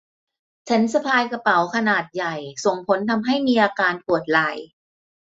ฉันสะพายกระเป๋าขนาดใหญ่ส่งผลทำให้มีอาการปวดไหล่